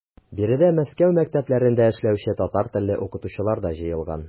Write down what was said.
Биредә Мәскәү мәктәпләрендә эшләүче татар телле укытучылар да җыелган.